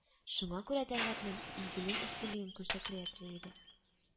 Шуңа күрә тәлгатнең үзенең өстенлеген күрсәтергә тели иде